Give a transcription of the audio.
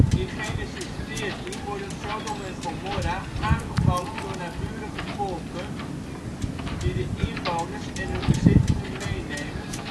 In Genesis 14 worden Sodom en Gomorra aangevallen door naburige volken, die de inwoners en hun bezittingen meenemen